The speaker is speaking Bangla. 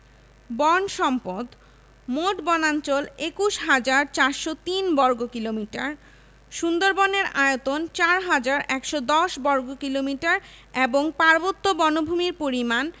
১৩হাজার ৬১৭ বর্গ কিলোমিটার